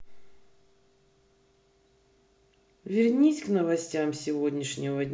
вернись к новостям сегодняшнего дня